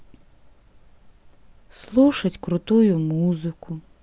слушать крутую музыку